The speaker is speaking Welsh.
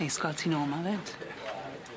Neis gweld ti nôl 'ma fyd.